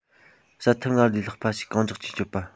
བྱ ཐབས སྔར ལས ལྷག པ ཞིག གང མགྱོགས ཀྱིས སྤྱོད པ